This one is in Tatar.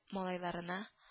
Малайларына